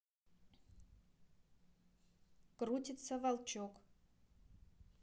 крутится волчок